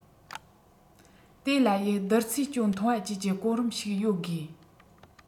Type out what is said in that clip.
དེ ལ ཡི བསྡུར ཚད ཅུང མཐོ བ བཅས ཀྱི གོ རིམ ཞིག ཡོད དགོས